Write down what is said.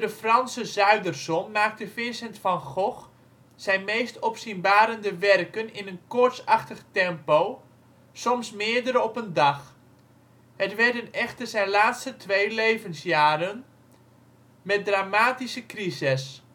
Franse zuiderzon maakte Vincent van Gogh zijn meest opzienbarende werken in een koortsachtig tempo, soms meerdere op een dag. Het werden echter zijn laatste twee levensjaren, met dramatische crises